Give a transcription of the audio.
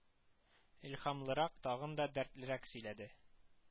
Илһамлырак, тагын да дәртлерәк сөйләде